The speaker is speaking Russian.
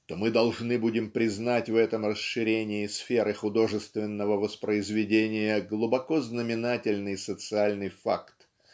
то мы должны будем признать в этом расширении сферы художественного воспроизведения глубоко знаменательный социальный факт